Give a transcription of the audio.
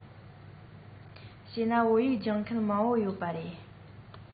བྱས ན བོད ཡིག སྦྱོང མཁན མང པོ ཡོད པ རེད